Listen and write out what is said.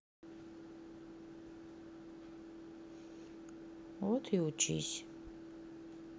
вот и учись